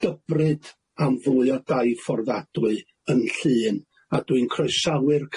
dybryd am fwy o dai fforddadwy yn Llŷn a dwi'n croesawu'r